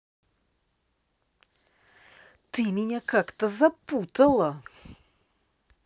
ты меня как то запутала